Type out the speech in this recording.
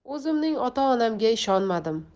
o'zimning ota onamga ishonmadim